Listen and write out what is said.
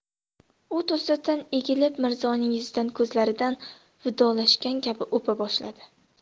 u to'satdan egilib mirzoning yuzidan ko'zlaridan vidolashgan kabi o'pa boshladi